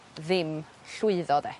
ddim llwyddo 'de.